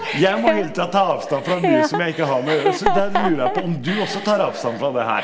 jeg må hele tida ta avstand fra nyheter som jeg ikke har med å gjøre, så da lurer jeg på om du også tar avstand fra det her?